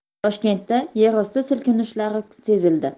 toshkentda yerosti silkinishlari sezildi